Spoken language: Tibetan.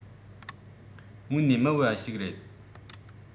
དངོས ནས མི འོས པ ཞིག རེད